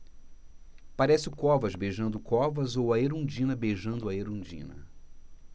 parece o covas beijando o covas ou a erundina beijando a erundina